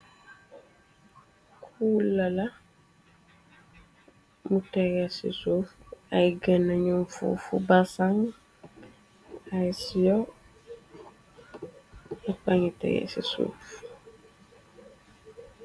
Kuulala mu teger ci suufb ay gëna nu fuufu basang ay sio a pangi tege ci suuf.